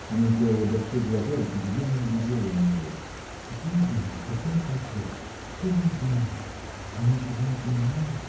Она сделала большие глаза и с удивлением глядела на него. — Какие деньги, какое пальто? что за изгнанник? Я ничего не понимаю.